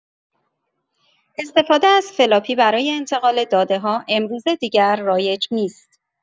استفاده از فلاپی برای انتقال داده‌ها امروزه دیگر رایج نیست.